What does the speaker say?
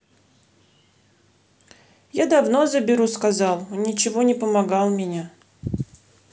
я давно заберу сказал он ничего не помогал меня